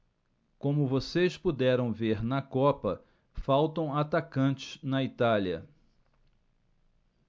como vocês puderam ver na copa faltam atacantes na itália